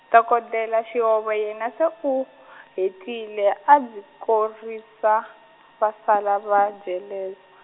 dokodela Xiove yena se u , hetile, a byi korisa, va sala va jele-.